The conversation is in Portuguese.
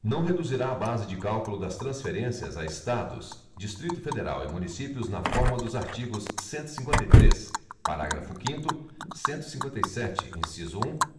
não reduzirá a base de cálculo das transferências a estados distrito federal e municípios na forma dos artigos cento e cinquenta e três parágrafo quinto cento e cinquenta e sete inciso um